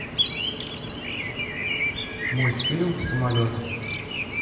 мультфильм самолеты